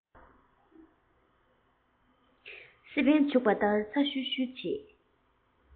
མཐོང ཆུང བྱེད པ